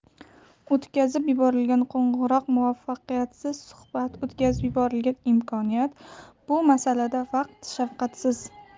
o'tkazib yuborilgan qo'ng'iroq muvaffaqiyatsiz suhbat o'tkazib yuborilgan imkoniyat bu masalada vaqt shafqatsiz